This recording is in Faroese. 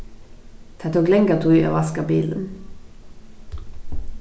tað tók langa tíð at vaska bilin